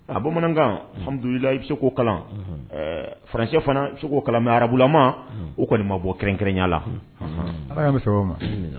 A bamanankan i bɛ se kalan francɛ fana seko kala mɛ arabulama o kɔni ma bɔ kɛrɛnkɛrɛnya la